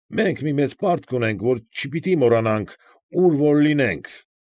Մենք մի մեծ պարտք ունեինք, որ չպիտի մոռանանք ուր որ լինենք։